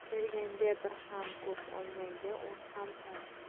berganga bir ham ko'p olganga o'n ham oz